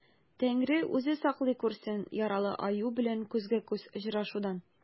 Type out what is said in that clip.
Тәңре үзе саклый күрсен яралы аю белән күзгә-күз очрашудан.